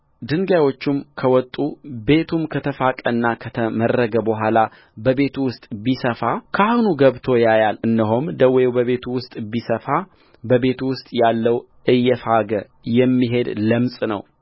ድንጋዮቹም ከወጡ ቤቱም ከተፋቀና ከተመረገ በኋላ በቤቱ ውስጥ ቢሰፋካህኑ ገብቶ ያያል እነሆም ደዌው በቤቱ ውስጥ ቢሰፋ በቤቱ ውስጥ ያለው እየፋገ የሚሄድ ለምጽ ነው